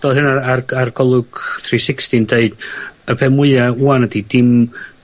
...doedd hynna ar ar Golwg three sixty'n deud y pe' mwya ŵan ydi dim